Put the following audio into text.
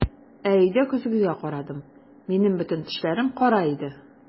Ә өйдә көзгегә карадым - минем бөтен тешләрем кара иде!